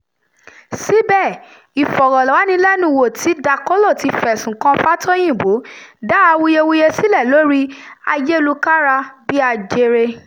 Síbẹ̀, ìfọ̀rọ̀wánilẹ́nuwò tí Dakolo ti fẹ̀sùn kan Fátóyìnbó dá awuyewuye sílẹ̀ lórí ayélukára bí ajere.